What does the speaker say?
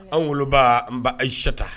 Anw wolobaa an ba Aichata